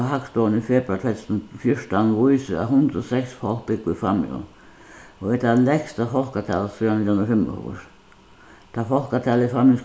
frá hagstovuni í februar tvey túsund og fjúrtan vísir at hundrað og seks fólk búgva í fámjin og er tað lægsta fólkatalið síðan nítjan hundrað og fimmogfýrs tað fólkatalið í fámjins